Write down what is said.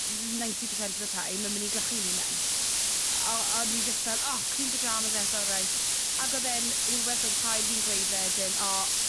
ninety percent of the time yn myn' i glychu'n unen. A a o'n i jyst fel o clean pyjamas eto reit. Ag odd e'n rwbeth odd chwaer fi'n gweud wedyn, o